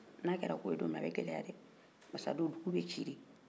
n'a kɛra ko ye don min a bɛ gɛlɛya dɛ barisabu dugu bɛ ci de